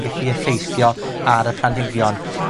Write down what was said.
gyllu effeithio ar y planhigion.